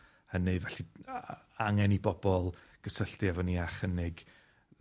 hynny, felly a- a- angen i bobol gysylltu efo ni a chynnig